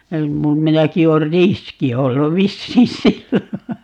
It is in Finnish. - minäkin olen riski ollut vissiin silloin